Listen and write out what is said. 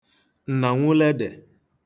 ǹnànwụlụedè